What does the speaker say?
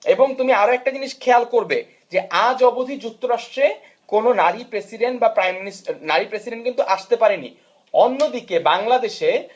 এবং তুমি আরেকটা জিনিস খেয়াল করবে আজ অবধি যুক্তরাষ্ট্রে কোন নারী প্রেসিডেন্ট বা প্রাইম মিনিস্টার আসতে পারেনি অন্যদিকে বাংলাদেশ